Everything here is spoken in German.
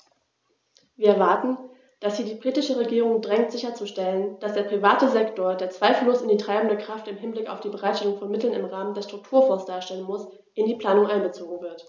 Wir erwarten, dass sie die britische Regierung drängt sicherzustellen, dass der private Sektor, der zweifellos die treibende Kraft im Hinblick auf die Bereitstellung von Mitteln im Rahmen der Strukturfonds darstellen muss, in die Planung einbezogen wird.